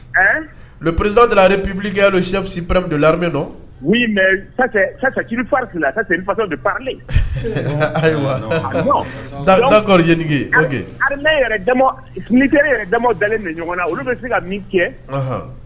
pperezd ppbike donsi ppmedo mɛ ayiwa dalen ɲɔgɔn na olu bɛ se ka min kɛ